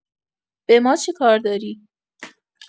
به ما چیکار داری